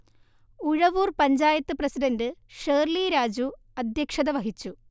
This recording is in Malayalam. ഉഴവൂർ പഞ്ചായത്ത് പ്രസിഡന്റ് ഷേർളി രാജു അധ്യക്ഷത വഹിച്ചു